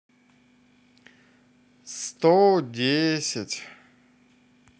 сто десять